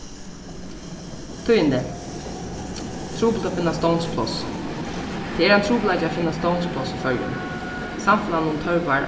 tíðindi trupult at finna stovnspláss tað er ein trupulleiki at finna stovnspláss í føroyum samfelagnum tørvar